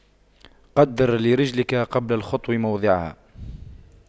قَدِّرْ لِرِجْلِكَ قبل الخطو موضعها